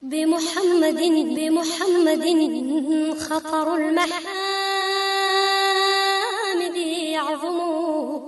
Denbmumad den jiginla yo